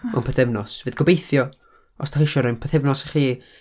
mewn pythefnos. Fydd gobeithio, os dach chi isio rhoi pythefnos i chi...